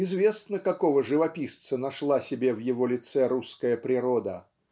Известно, какого живописца нашла себе в его лице русская природа.